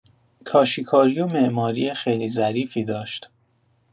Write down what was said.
کاشی‌کاری و معماری خیلی ظریفی داشت.